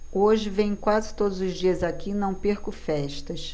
hoje venho quase todos os dias aqui e não perco festas